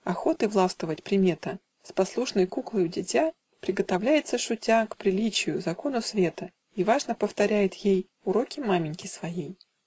Охоты властвовать примета, С послушной куклою дитя Приготовляется шутя К приличию - закону света, И важно повторяет ей Уроки маменьки своей.